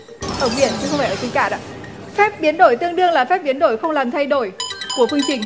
ở biển chứ không phải trên cạn ạ phép biến đổi tương đương là phép biến đổi không làm thay đổi của phương trình